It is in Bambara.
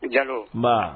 I jalo ma